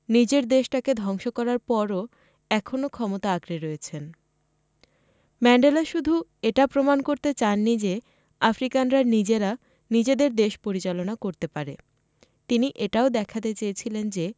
নিজের দেশটাকে ধ্বংস করার পরও এখনো ক্ষমতা আঁকড়ে রয়েছেন ম্যান্ডেলা শুধু এটা প্রমাণ করতে চাননি যে আফ্রিকানরা নিজেরা নিজেদের দেশ পরিচালনা করতে পারে তিনি এটাও দেখাতে চেয়েছিলেন যে